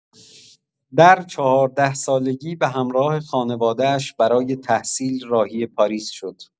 در چهارده‌سالگی به همراه خانواده‌اش برای تحصیل راهی پاریس شد.